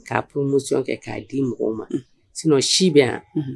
'a pmuso kɛ k'a di mɔgɔw ma si bɛ yan